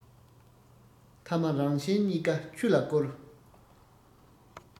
ཐ མ རང གཞན གཉིས ཀ ཆུ ལ བསྐུར